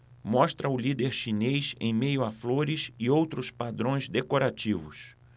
mostra o líder chinês em meio a flores e outros padrões decorativos